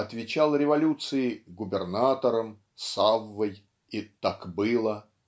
отвечал революции "Губернатором" "Саввой" и "Так было"